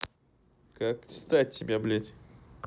как стать тебе блядь